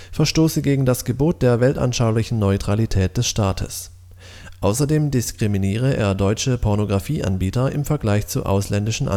verstoße gegen das Gebot der weltanschaulichen Neutralität des Staates. Außerdem diskriminiere er deutsche Pornografieanbieter im Vergleich zu ausländischen